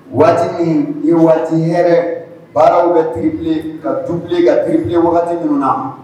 Waati min i waati yɛrɛ baaraw bɛ tibilen ka tubilen ka teriribilen wagati ninnu